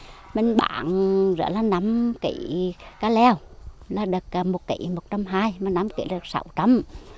mình bán rứa là năm ký cà leo là được một ký một trăm hai mà năm ký được sáu trăm